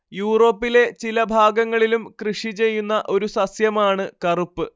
യൂറോപ്പിലെ ചില ഭാഗങ്ങളിലും കൃഷി ചെയ്യുന്ന ഒരു സസ്യമാണ് കറുപ്പ്